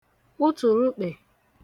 utùrukpè